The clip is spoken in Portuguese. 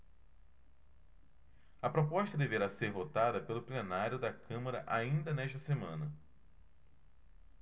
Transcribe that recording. a proposta deverá ser votada pelo plenário da câmara ainda nesta semana